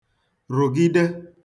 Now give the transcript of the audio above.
rụ̀gide